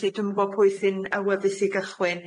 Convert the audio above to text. Felly dwi'm yn gwbo pwy sy'n awyddus i gychwyn.